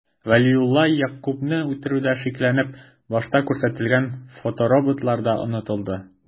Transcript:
Вәлиулла Ягъкубны үтерүдә шикләнеп, башта күрсәтелгән фотороботлар да онытылды...